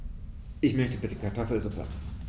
Ich möchte bitte Kartoffelsuppe.